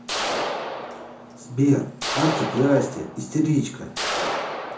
сбер artik и asti истеричка